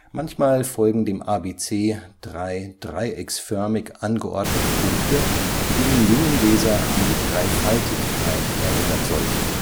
Manchmal folgen dem ABC drei dreiecksförmig angeordnete Punkte, die den jungen Leser an die Dreifaltigkeit erinnern sollten